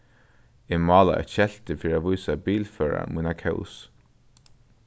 eg málaði eitt skelti fyri at vísa bilførarum mína kós